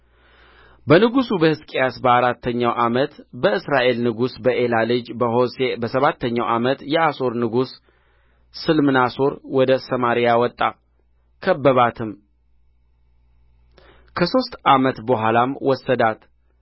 በንጉሡ በሕዝቅያስ በአራተኛው ዓመት በእስራኤል ንጉሥ በኤላ ልጅ በሆሴዕ በሰባተኛው ዓመት የአሦር ንጉሥ ስልምናሶር ወደ ሰማርያ ወጣ ከበባትም ከሦስት ዓመት በኋላም ወሰዳት